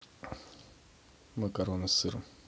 макароны с сыром